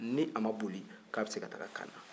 ni a ma boli k'a bɛ se ka taa kaana